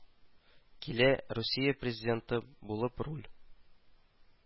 Килә, русия президенты булып руль